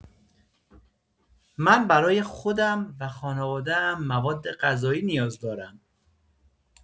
برای خودم و خانواده‌ام موادغذایی نیاز دارم.